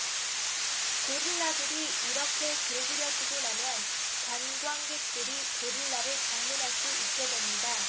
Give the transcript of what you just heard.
고릴라들이 이렇게 길들여지고 나면 관광객들이 고릴라를 방문할 수 있게 됩니다